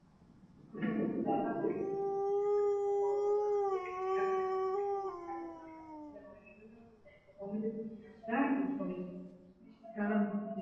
Waa bir midabkeedu yahay caddaan